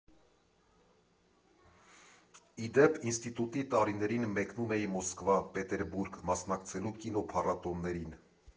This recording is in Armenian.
Ի դեպ, ինստիտուտի տարիներին մեկնում էի Մոսկվա, Պետերբուրգ՝ մասնակցելու կինոփառատոներին։